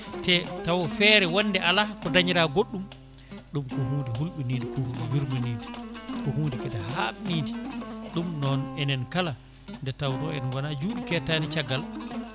te taw feere wonde ala ko dañira goɗɗum ɗum ko hunde hulɓinide ko hunde yurminide ko hunde kadi habnide ɗum noon enen kala nde tawno en juut kettani caggal